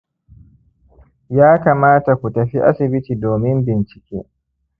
ya kamata ku tafi asibiti domin bincike